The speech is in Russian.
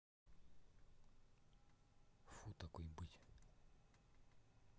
фу такой быть